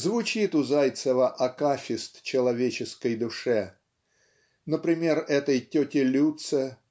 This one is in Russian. Звучит у Зайцева акафист человеческой душе например этой тете Люце